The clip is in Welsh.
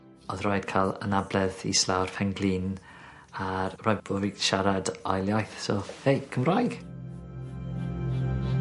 Odd rhaid ca'l anabledd islawr pen-glin a rhai' bo' fi siarad ail iaith so hei Cymraeg.